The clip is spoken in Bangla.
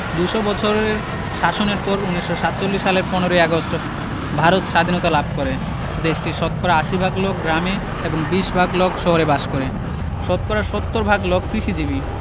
দু'শ বছরের শাসনের পর ১৯৪৭ সালের ১৫ ই আগস্ট ভারত সাধীনতা লাভ করে দেশটির শতকরা ৮০ ভাগ লোক গ্রামে এবং ২০ ভাগ লোক শহরে বাস করে শতকরা ৭০ ভাগ লোক কৃষিজীবী